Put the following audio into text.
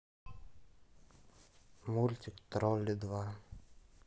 мультик тролли два